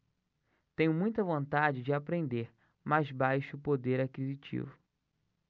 tenho muita vontade de aprender mas baixo poder aquisitivo